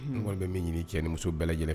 Wari bɛ min ɲini cɛ ni muso bɛɛ lajɛlen